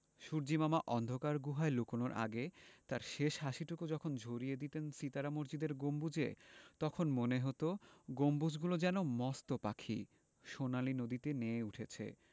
সূর্য্যিমামা অন্ধকার গুহায় লুকানোর আগে তাঁর শেষ হাসিটুকু যখন ঝরিয়ে দিতেন সিতারা মসজিদের গম্বুজে তখন মনে হতো গম্বুজগুলো যেন মস্ত পাখি সোনালি নদীতে নেয়ে উঠেছে